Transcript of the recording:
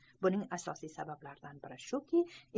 buning asosiy sabablaridan biri shuki